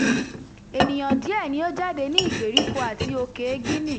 Ènìyàn díẹ̀ ni ó jáde ní ìgbèríko àti Òkèe Guinea.